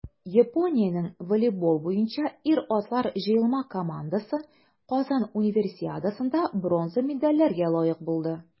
Япониянең волейбол буенча ир-атлар җыелма командасы Казан Универсиадасында бронза медальләргә лаек булды.